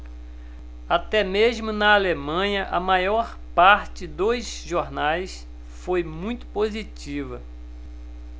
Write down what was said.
até mesmo na alemanha a maior parte dos jornais foi muito positiva